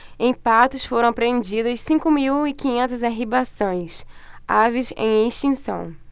em patos foram apreendidas cinco mil e quinhentas arribaçãs aves em extinção